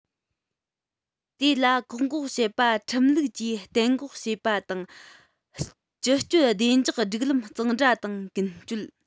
དེ ལ བཀག འགོག བྱེད པ ཁྲིམས ལུགས ཀྱིས གཏན འགོག བྱས པ དང སྤྱི སྤྱོད བདེ འཇགས སྒྲིག ལམ གཙང སྦྲ དང ཀུན སྤྱོད